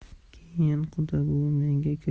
keyin quda buvi